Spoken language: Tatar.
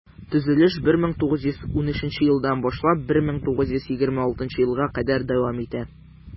Төзелеш 1913 елдан башлап 1926 елга кадәр дәвам итә.